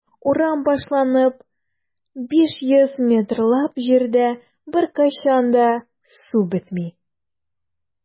Урам башланып 500 метрлап җирдә беркайчан да су бетми.